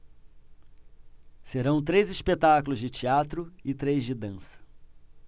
serão três espetáculos de teatro e três de dança